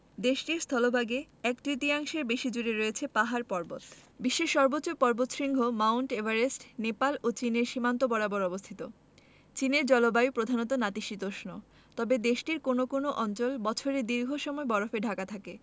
দেশটির স্থলভাগে একতৃতীয়াংশের বেশি জুড়ে রয়ছে পাহাড়পর্বত বিশ্বের সর্বোচ্চ পর্বতশৃঙ্গ মাউন্ট এভারেস্ট নেপাল ও চীনের সীমান্ত বরাবর অবস্থিত চীনের জলবায়ু প্রধানত নাতিশীতোষ্ণ তবে দেশটির কোনো কোনো অঞ্চল বছরের দীর্ঘ সময় বরফে ঢাকা থাকে